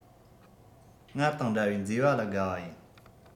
ང དང འདྲ བའི མཛེས པ ལ དགའ བ ཡིན